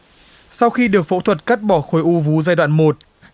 sau khi được phẫu thuật cắt bỏ khối u vú giai đoạn một